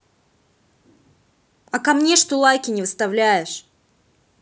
а ко мне что лайки не вставляешь